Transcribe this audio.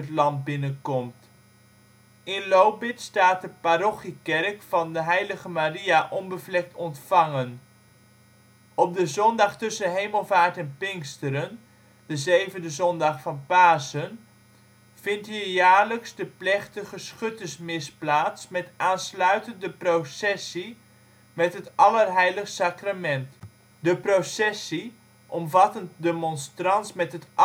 land binnenkomt. In Lobith staat de parochiekerk van H. Maria Onbevlekt Ontvangen. Op de zondag tussen Hemelvaart en Pinksteren (7de zondag van Pasen) vindt hier jaarlijks de plechtige schuttersmis plaats met aansluitend de processie met het Allerheiligst Sacrament. De processie - omvattend de monstrans met het Allerheiligste